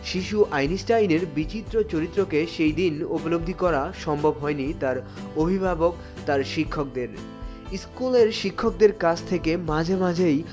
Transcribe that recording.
শিশু আইনস্টাইনের এই বিচিত্র চরিত্র কে সেদিন ঠিক করা সম্ভব হয়নি তার অভিভাবক তার শিক্ষকদের স্কুলের শিক্ষকদের কাছ থেকে মাঝে মাঝেই